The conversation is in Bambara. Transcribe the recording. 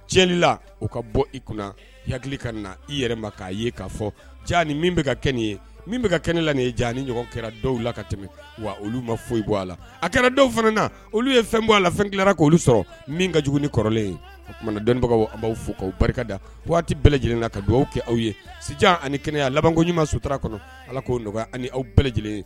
Cɛla u ka bɔ i kunna hakili ka na i yɛrɛ ma k'a ye k'a fɔ ja min bɛ ka kɛ nin ye min bɛ ka kɛnɛ ne la nin ye jan ni ɲɔgɔn kɛra dɔw la ka tɛmɛ wa olu ma foyi bɔ a la a kɛra dɔw fana na olu ye fɛn bɔ a la fɛnkelenla k' olu sɔrɔ min ka jugu ni kɔrɔlen o tumaumanabagaw b'aw fo k'aw barikada bɛɛ lajɛlen la ka dugawu kɛ aw ye si ani kɛnɛya a laban koɲumanma sutura kɔnɔ ala k'o ani aw bɛɛ lajɛlen ye